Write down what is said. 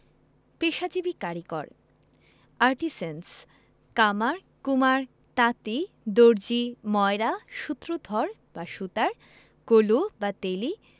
পেশাজীবী কারিগরঃ আর্টিসেন্স কামার কুমার তাঁতি দর্জি ময়রা সূত্রধর বা সুতার কলু বা তেলী